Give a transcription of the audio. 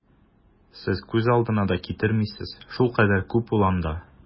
Сез күз алдына да китермисез, шулкадәр күп ул анда!